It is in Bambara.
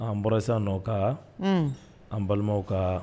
An bɔra sisn nɔ ka an balimaw ka